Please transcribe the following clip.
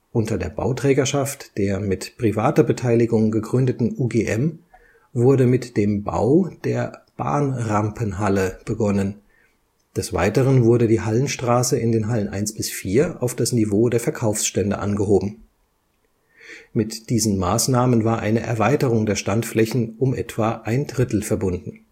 Unter der Bauträgerschaft der mit privater Beteiligung gegründeten UGM wurde mit dem Bau der Bahnrampenhalle (UGM I) begonnen, des Weiteren wurde die Hallenstraße in den Hallen 1 bis 4 auf das Niveau der Verkaufsstände angehoben. Mit diesen Maßnahmen war eine Erweiterung der Standflächen um etwa ein Drittel verbunden